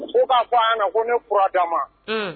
Ko b'a bɔ yan na ko ne fura dama ma